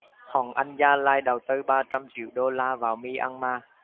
hoàng anh gia lai đầu tư ba trăm triệu đô la vào myanmar